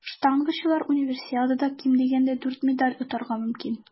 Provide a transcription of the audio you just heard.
Штангачылар Универсиадада ким дигәндә дүрт медаль отарга мөмкин.